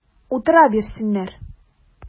Утыра бирсеннәр!